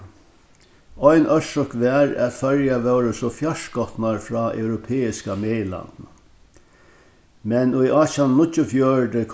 ein orsøk var at føroyar vóru so fjarskotnar frá europeiska meginlandinum men í átjan níggjuogfjøruti